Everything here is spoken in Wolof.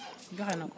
joxe na ko